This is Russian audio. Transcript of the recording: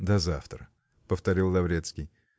"До завтра", -- повторил Лаврецкий.